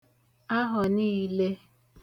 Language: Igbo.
ahọ niīlē